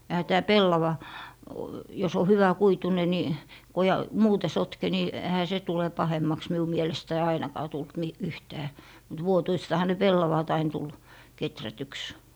eihän tämä pellava jos on hyväkuituinen niin kun ja muuten sotke niin eihän se tule pahemmaksi minun mielestäni ainakaan tullut - yhtään mutta vuotuistahan ne pellavat aina tuli kehrätyksi